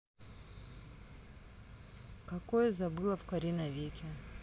какое забыла в carino веке